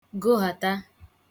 gohàta